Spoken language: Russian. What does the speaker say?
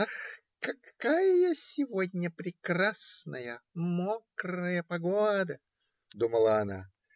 "Ах, какая сегодня прекрасная мокрая погода! - думала она.